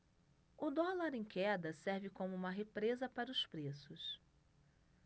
o dólar em queda serve como uma represa para os preços